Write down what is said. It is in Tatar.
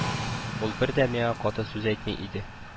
Ул бер дә миңа каты сүз әйтми иде